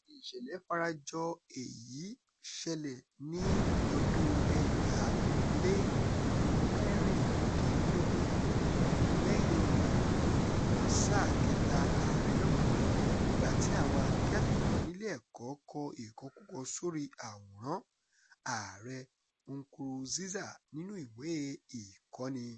Ìṣẹ̀lẹ̀ tó fara jọ èyí ṣẹlẹ̀ ní 2016, lẹ́yìnin rògbòdìyàn sáà kẹ́ta Ààrẹ náà, nígbà tí àwọn akẹ́kọ̀ọ́ nílé ẹ̀kọ́ kọ ìkọkúkọ sórí àwòrán (Ààrẹ) Nkurunziza nínú ìwé ìkọ́ni.